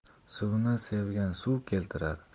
suvni sevgan suv keltirar